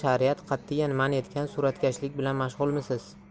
shariat qatiyan man etgan suratkashlik bilan mashg'ulmisiz